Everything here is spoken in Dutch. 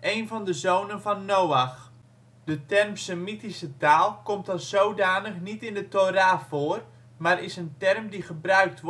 een van de zonen van Noach. De term " Semitische taal " komt als zodanig niet in de Thora voor, maar is een term, die gebruikt